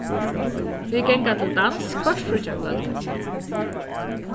vit ganga til dans hvørt fríggjakvøld